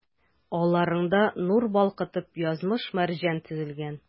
Алларыңда, нур балкытып, язмыш-мәрҗән тезелгән.